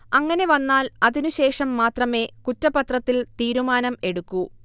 അങ്ങനെ വന്നാൽ അതിന് ശേഷം മാത്രമേ കുറ്റപത്രത്തിൽ തീരുമാനം എടുക്കൂ